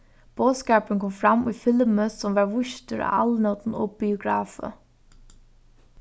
boðskapurin kom fram í filmi sum varð vístur á alnótini og biografi